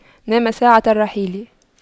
نام ساعة الرحيل